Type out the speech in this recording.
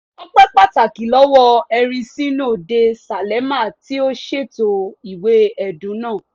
Ọpẹ́ pàtàkì lọ́wọ́ Ericino de Salema tí ó ṣètò ìwé ẹ̀dùn náà.